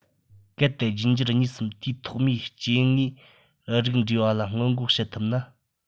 གལ ཏེ རྒྱུད འགྱུར གཉིས སམ དུས ཐོག མའི སྐྱེ དངོས རིགས འདྲེས པ སྔོན འགོག བྱེད ཐུབ ན